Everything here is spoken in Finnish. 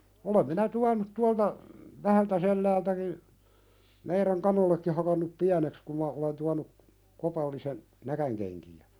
olen minä tuonut tuolta Vähältäselältäkin meidän kanoillekin hakannut pieneksi kun minä olen tuonut kopallisen näkinkenkiä